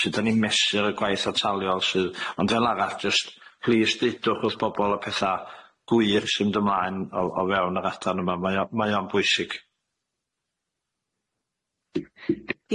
Sud 'dan ni'n mesur y gwaith ataliol sydd ond fel arall jyst plîs deudwch wrth bobol y petha gwych sy'n mynd ymlaen o o fewn yr adan yma mae o mae o'n bwysig.